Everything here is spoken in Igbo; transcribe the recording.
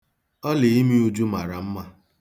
Ọliimi Uju mara mma.